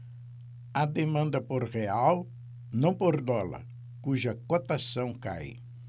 há demanda por real não por dólar cuja cotação cai